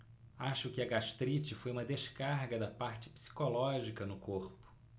acho que a gastrite foi uma descarga da parte psicológica no corpo